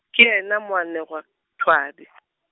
ke yena moanegwathwadi .